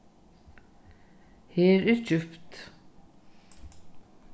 her er djúpt